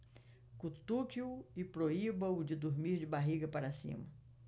cutuque-o e proíba-o de dormir de barriga para cima